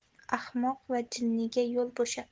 ahmoq va jinniga yo'l bo'shat